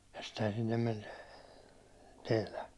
ja sittenhän sinne meni teillä